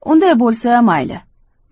unday boisa mayli